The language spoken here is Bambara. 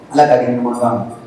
Ala ka wolo